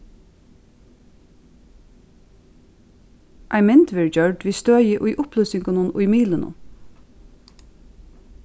ein mynd verður gjørd við støði í upplýsingunum í miðlunum